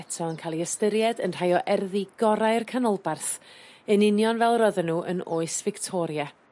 eto yn ca'l 'u ystyried yn rhai o erddi gorau'r canolbarth yn union fel rodden nw yn oes Fictoria.